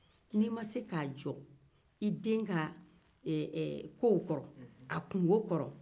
n'i ma se ka jɔ i den ka ɛ-ɛ-ɛ kow kɔrɔ a kungo kɔrɔ